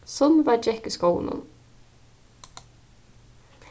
sunneva gekk í skóginum